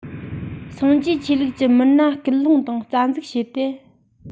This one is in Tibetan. སངས རྒྱས ཆོས ལུགས ཀྱི མི སྣ སྐུལ སློང དང རྩ འཛུགས བྱས ཏེ